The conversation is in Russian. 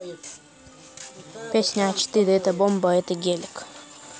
песня а четыре это бомба а это гелик